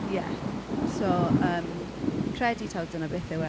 Ie so yym fi'n credu taw dyna beth yw e.